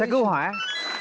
cứu hỏa